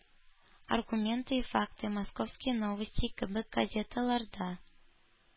«аргументы и факты», «московские новости» кебек газеталар да